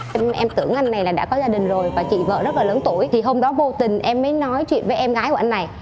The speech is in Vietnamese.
em em tưởng anh này là đã có gia đình rồi và chị vợ rất là lớn tuổi thì hôm đó vô tình em mới nói chuyện với em gái của anh này